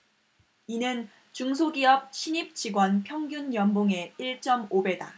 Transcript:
이는 중소기업 신입 직원 평균 연봉의 일 쩜 오 배다